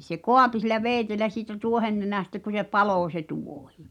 se kaapi sillä veitsellä siitä tuohennenästä kun se paloi se tuohi